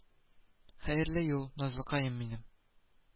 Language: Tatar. Хәерле юл, назлыкаем минем